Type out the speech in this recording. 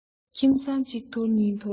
ཁྱིམ ཚང གཅིག འཐོར གཉིས འཐོར